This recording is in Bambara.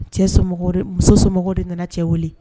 Cɛ muso somɔgɔw de nana cɛ wele